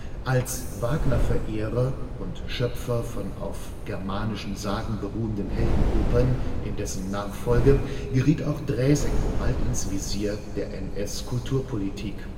Als Wagner-Verehrer und Schöpfer von auf germanischen Sagen beruhenden Heldenopern in dessen Nachfolge geriet auch Draeseke bald ins Visier der NS-Kulturpolitik